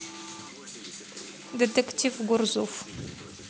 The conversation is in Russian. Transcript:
детектив гурзуф